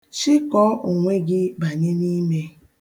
Shịkọọ onwe gị banye n'ime.